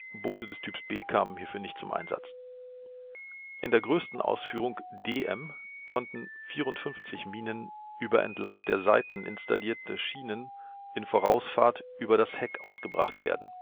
DM “(Boote des Typs B kamen nicht zum Einsatz). In der größten Ausführung „ DM “konnten 54 Minen über entlang der Seiten installierte Schienen in Vorausfahrt über das Heck ausgebracht werden